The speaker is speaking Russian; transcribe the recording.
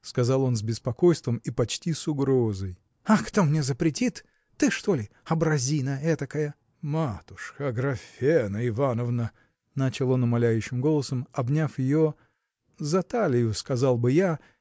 – сказал он с беспокойством и почти с угрозой. – А кто мне запретит? ты, что ли, образина этакая? – Матушка, Аграфена Ивановна! – начал он умоляющим голосом обняв ее за талию сказал бы я